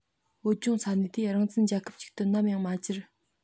བོད ལྗོངས ས གནས དེ རང བཙན རྒྱལ ཁབ ཅིག ཏུ ནམ ཡང མ གྱུར